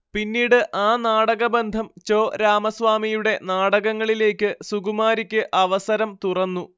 പിന്നീട് ആ നാടകബന്ധം ചോ രാമസ്വാമിയുടെ നാടകങ്ങളിലേക്ക് സുകുമാരിക്ക് അവസരം തുറന്നു